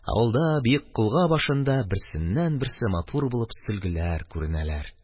Ә алда, биек колга башында, берсеннән берсе матур булып сөлгеләр күренәләр.